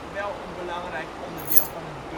wel een belangrijk onderdeel van het